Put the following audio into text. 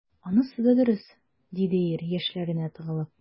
Анысы да дөрес,— диде ир, яшьләренә тыгылып.